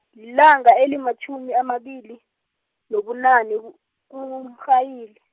lilanga elimatjhumi amabili, nobunane ku kuMrhayili.